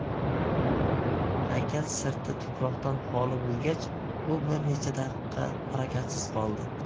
haykal sirti tuproqdan holi bo'lgach u bir necha daqiqa harakatsiz qoldi